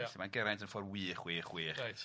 felly mae Geraint yn ffordd wych wych wych... Reit...